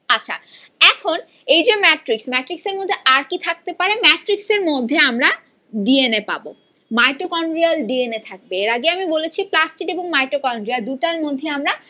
আচ্ছা এখন এই যে ম্যাট্রিক্স ম্যাট্রিক্স টার মধ্যে আর কি কি থাকতে পারে ম্যাট্রিক্স এর মধ্যে আমরা ডিএনএ পাব মাইটোকনড্রিয়াল ডিএনএ থাকবে এর আগে আমি বলেছি প্লাস্টিড এবং মাইটোকনড্রিয়া দুটার মধ্যে আমরা